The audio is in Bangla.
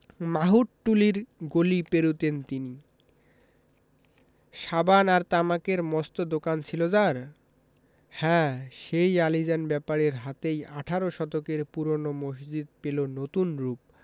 মাহুতটুলির গলি পেরুতেন তিনি সাবান আর তামাকের মস্ত দোকান ছিল যার হ্যাঁ সেই আলীজান ব্যাপারীর হাতেই আঠারো শতকের পুরোনো মসজিদ পেলো নতুন রুপ